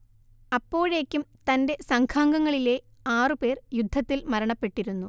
അപ്പോഴേക്കും തന്റെ സംഘാംങ്ങളിലെ ആറു പേർ യുദ്ധത്തിൽ മരണപ്പെട്ടിരുന്നു